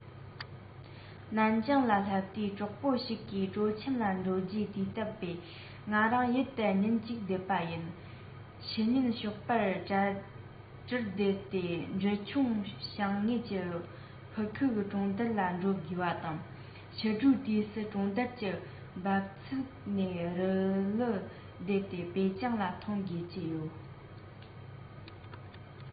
ནན ཅིང ལ སླེབས དུས གྲོགས པོ ཞིག གིས སྤྲོ འཆམ ལ འགྲོ རྒྱུའི དུས བཏབ པས ང རང ཡུལ དེར ཉིན གཅིག བསྡད པ ཡིན ཕྱི ཉིན ཞོགས པ གྲུར བསྡད ནས འབྲི ཆུའི བྱང ངོས ཀྱི ཕུ ཁུག གྲོང རྡལ ལ འགྲོ དགོས པ དང ཕྱི དྲོའི དུས སུ གྲོང རྡལ གྱི འབབ ཚུགས ནས རི ལི བསྡད དེ པེ ཅིང ལ ཐོན དགོས ཀྱི ཡོད